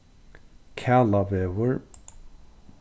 kalavegur